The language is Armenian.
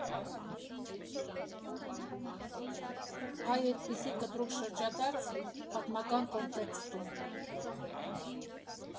Այ էդպիսի կտրուկ շրջադարձ՝ պատմական կոնտեքստում։